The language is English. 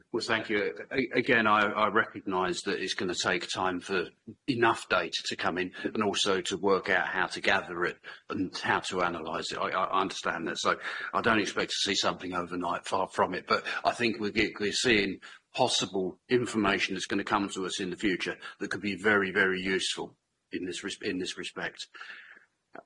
Reit well thank you a- a- again I I recognise that it's gonna take time for enough data to come in and also to work out how to gather it and how to analyse it. I I understand that so I don't expect to see something overnight far from it but I think we'll get we're seeing possible information that's going to come to us in the future that could be very very useful in this ris- in this respect.